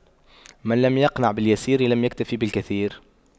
من لم يقنع باليسير لم يكتف بالكثير